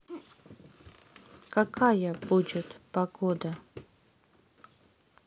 какая будет погода